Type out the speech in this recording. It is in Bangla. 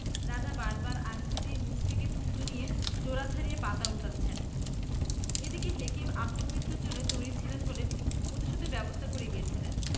রাজা বার বার আঙুল দিয়ে মুখ থেকে থুথু নিয়ে জোড়া ছাড়িয়ে পাতা উল্টোচ্ছেন এদিকে হেকিম আপন মৃত্যুর জন্য তৈরি ছিলেন বলে প্রতিশোধের ব্যবস্থাও করে গিয়েছিলেন